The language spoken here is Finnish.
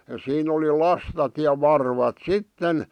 siinä oli lastat ja varvat sitten